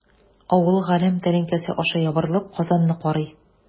Авыл галәм тәлинкәсе аша ябырылып Казанны карый.